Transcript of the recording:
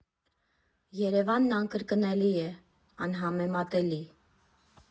Երևանն անկրկնելի է, անհամեմատելի։